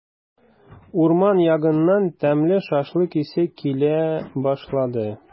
Урман ягыннан тәмле шашлык исе килә башлады.